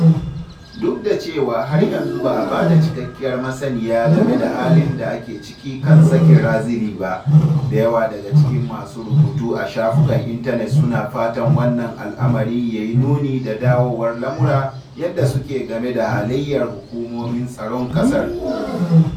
Duk da cewa har yanzu ba a da cikakkiyar masaniya game da halin da ake ciki kan sakin Razily ba, da yawa daga cikin masu rubutu a shafukan intanet suna fatan wannan al’amari yayi nuni da dawowar lamura yanda suke game da halayyar hukumomin tsaron ƙasar.